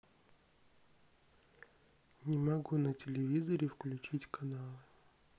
не могу на телевизоре включить каналы